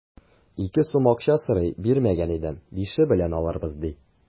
Ике сум акча сорый, бирмәгән идем, бише белән алырбыз, ди.